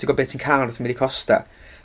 Ti'n gwbod be ti'n cael wrth mynd i Costa.